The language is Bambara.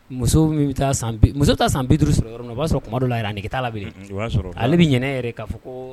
Muso muso ta san bi duuru o b'a sɔrɔ kuma la a nin taa ale bɛ ɲɛnɛ yɛrɛ'a fɔ